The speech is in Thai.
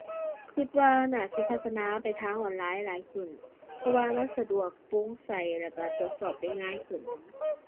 คิดว่าน่าสิพัฒนาไปทางออนไลน์หลายขึ้น เพราะว่ามันสะดวกโปร่งใสแล้วคิดตรวจสอบได้ง่ายขึ้นนำ